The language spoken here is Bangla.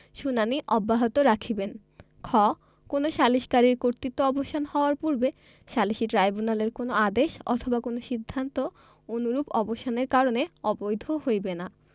শুনানী অব্যাহত রাখিবেন খ কোন সালিসকারীর কর্তৃত্ব অবসান হওয়ার পূর্বে সালিসী ট্রাইব্যুনালের কোন আদেশ অথবা কোন সিদ্ধান্ত অনুরূপ অবসানের কারণে অবৈধ হইবে না